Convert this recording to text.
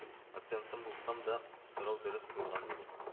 Акцентым булса да, сорау дөрес куелган иде